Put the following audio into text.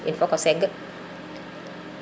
il faut que o segg